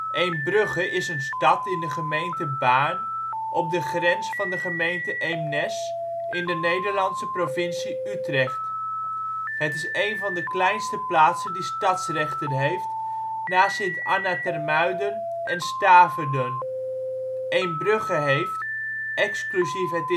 Eembrugge is een stad in de gemeente Baarn op de grens van de gemeente Eemnes, in de Nederlandse provincie Utrecht. Het is één van de kleinste plaatsen die stadsrechten heeft (na Sint Anna ter Muiden en Staverden). Eembrugge heeft, exclusief het